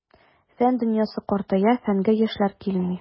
Фән дөньясы картая, фәнгә яшьләр килми.